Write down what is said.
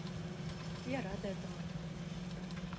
я рада этому